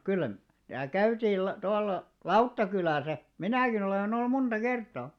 kyllä mar täällä käytiin - tuolla Lauttakylässä minäkin olen ollut monta kertaa